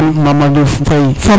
Mamadou Faye